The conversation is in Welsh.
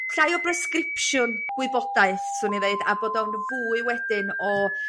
llai o bresgripsiwn gwybodaeth 'swn i ddeud a bod o'n fwy wedyn o